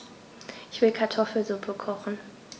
Ich will Kartoffelsuppe kochen.